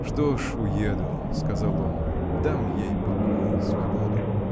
— Что ж, уеду, — сказал он, — дам ей покой, свободу.